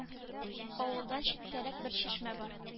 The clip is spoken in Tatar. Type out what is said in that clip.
Авылдан читтәрәк бер чишмә бар